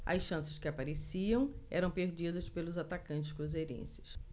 as chances que apareciam eram perdidas pelos atacantes cruzeirenses